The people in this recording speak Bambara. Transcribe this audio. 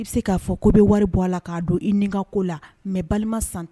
I bɛ se k'a fɔ ko bɛ wari bɔ a la k'a don i nika ko la mɛ balima san